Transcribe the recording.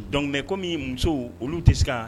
Donc mais comme muso olu tɛ se kaa